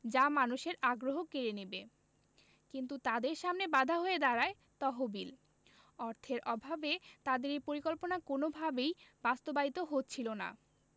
যা মানুষের আগ্রহ কেড়ে নেবে কিন্তু তাদের সামনে বাধা হয়ে দাঁড়ায় তহবিল অর্থের অভাবে তাদের সেই পরিকল্পনা কোনওভাবেই বাস্তবায়িত হচ্ছিল না